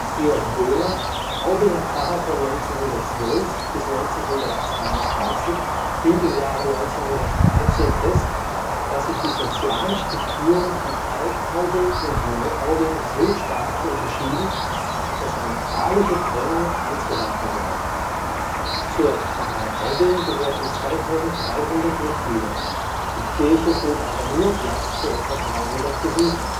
Georg Böhmer, Aubinger Pfarrer von 1912 bis 1922 hielt 1913 fest, dass sich die sozialen Strukturen von Alt-Aubing und Neuaubing so stark unterschieden, dass eine pfarrliche Trennung anzuraten sei. Zur Pfarrei Aubing gehörten 2300 Mitglieder, die Kirche bot aber nur Platz für etwa 300 Besucher